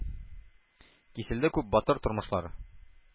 Киселде күп батыр тормышлар,